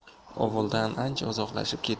ovuldan ancha uzoqlashib